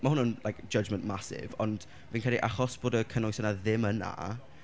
Mae hwn yn like, judgment massive, ond fi'n credu achos bod y cynnwys yna ddim yna...